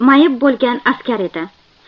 mayib bo'lgan askar edi